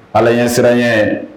Ala ɲɛ siran n ye